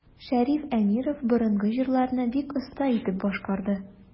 Шәриф Әмиров борынгы җырларны бик оста итеп башкарды.